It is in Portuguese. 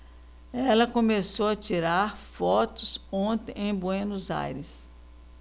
ela começou a tirar fotos ontem em buenos aires